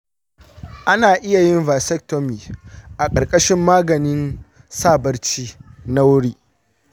ana iya yin vasectomy a ƙarƙashin maganin sa barci na wuri.